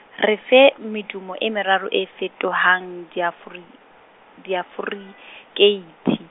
re fe medumo e meraro e fetohang diafore-, diaforekeithe.